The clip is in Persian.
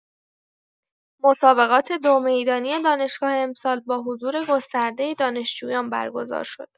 مسابقات دو و می‌دانی دانشگاه امسال با حضور گسترده دانشجویان برگزار شد.